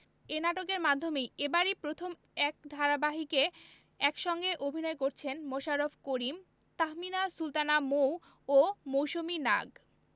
এ নাটকের মাধ্যমেই এবারই প্রথম এক ধারাবাহিকে একসঙ্গে অভিনয় করছেন মোশাররফ করিম তাহমিনা সুলতানা মৌ ও মৌসুমী নাগ